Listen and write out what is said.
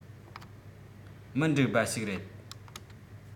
མི འགྲིག པ ཞིག རེད